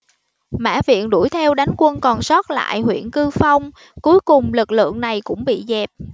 mã viện đuổi theo đánh quân còn sót lại huyện cư phong cuối cùng lực lượng này cũng bị dẹp